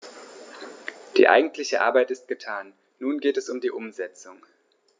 Die eigentliche Arbeit ist getan, nun geht es um die Umsetzung.